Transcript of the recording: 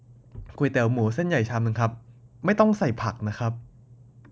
ก๋วยเตี๋ยวหมูเส้นใหญ่ชามนึงครับไม่ต้องใส่ผักนะครับ